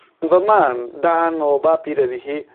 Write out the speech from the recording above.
Yn fy man darn o bapur ydi hi.